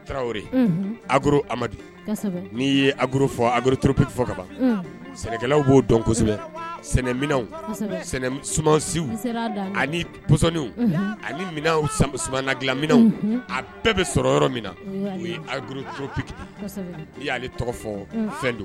Duro n'i yedurodurotourup fɔ kaban sɛnɛkɛlawlaw b'o dɔn kosɛbɛ sɛnɛminwsiw ani psɔniw ani minɛnlaminw a bɛɛ bɛ sɔrɔ yɔrɔ min na u yeduropki i y'ale tɔgɔfɔ fɛn don